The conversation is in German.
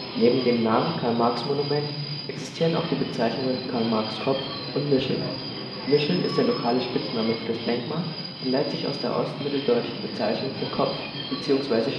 Neben dem Namen Karl-Marx-Monument existieren auch die Bezeichnungen Karl-Marx-Kopf und Nischel. Nischel ist der lokale Spitzname für das Denkmal und leitet sich aus der ostmitteldeutschen Bezeichnung für Kopf bzw.